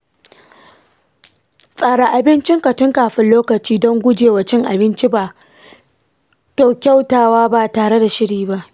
tsara abincinka tun kafin lokaci don guje wa cin abinci ba kakkautawa ba tare da shiri ba.